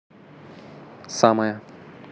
самая